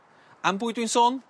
Am bwy dwi'n sôn?